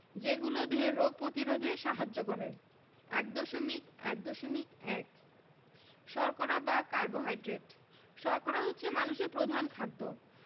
যেগুলো দেহের রোগ প্রতিরোধে সাহায্য করে ১.১.১ শর্করা বা কার্বোহাইড্রেট শর্করা হচ্ছে মানুষের প্রধান খাদ্য